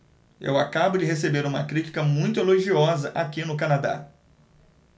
eu acabo de receber uma crítica muito elogiosa aqui no canadá